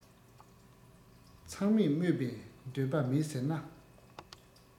ཚང མས སྨོད པའི འདོད པ མེད ཟེར ན